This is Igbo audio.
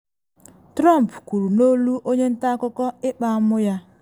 Trump kwuru n’olu “onye nta akụkọ” ịkpa amụ ya.